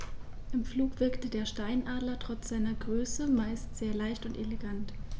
Im Flug wirkt der Steinadler trotz seiner Größe meist sehr leicht und elegant.